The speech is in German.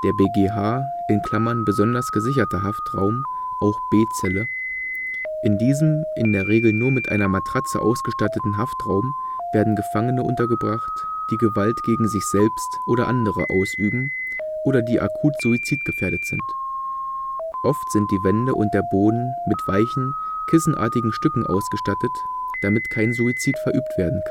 BgH (Besonders gesicherter Haftraum, auch „ B-Zelle “): In diesem in der Regel nur mit einer Matratze ausgestatteten Haftraum werden Gefangene unterbracht, die Gewalt gegen sich selbst oder andere ausüben, oder die akut suizidgefährdet sind. Oft sind die Wände und der Boden mit weichen, kissenartigen Stücken ausgestattet, damit kein Suizid verübt werden